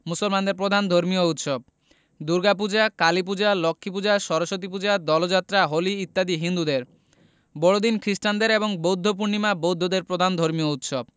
মুসলমানদের প্রধান ধর্মীয় উৎসব দুর্গাপূজা কালীপূজা লক্ষ্মীপূজা সরস্বতীপূজা দোলযাত্রা হোলি ইত্যাদি হিন্দুদের বড়দিন খ্রিস্টানদের এবং বৌদ্ধপূর্ণিমা বৌদ্ধদের প্রধান ধর্মীয় উৎসব